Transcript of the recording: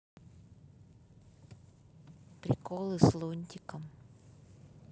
приколы с лунтиком